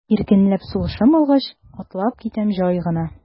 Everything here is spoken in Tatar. Иркенләп сулышым алгач, атлап китәм җай гына.